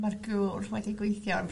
Ma'r gŵr wedi gweithio'r...